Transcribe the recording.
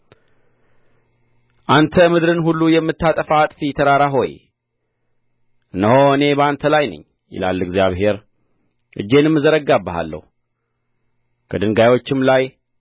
አንተ ምድርን ሁሉ የምታጠፋ አጥፊ ተራራ ሆይ እነሆ እኔ በአንተ ላይ ነኝ ይላል እግዚአብሔር እጄንም እዘረጋብሃለሁ ከድንጋዮችም ላይ